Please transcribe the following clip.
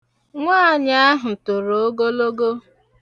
Nwaanyị ahụ toro ogologo.